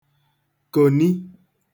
kòni